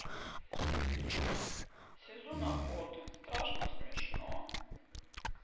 сезон охоты страшно смешно